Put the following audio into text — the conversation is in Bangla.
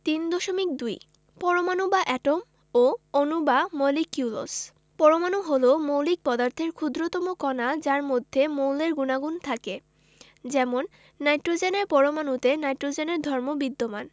৩.২ পরমাণু বা এটম ও অণু বা মলিকিউলস পরমাণু হলো মৌলিক পদার্থের ক্ষুদ্রতম কণা যার মধ্যে মৌলের গুণাগুণ থাকে যেমন নাইট্রোজেনের পরমাণুতে নাইট্রোজেনের ধর্ম বিদ্যমান